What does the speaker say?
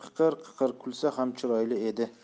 qiqir kulsa ham chiroyli edi